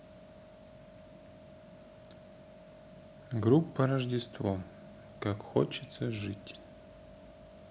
группа рождество как хочется жить